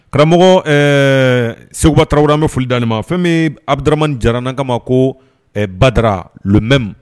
Karamɔgɔ seguba tarawelew an bɛ foli daani ma fɛn bɛ abududramani jara n' kama ma ko badara lmɛme